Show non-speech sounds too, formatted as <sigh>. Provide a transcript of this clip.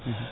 <hesitation> <hesitation>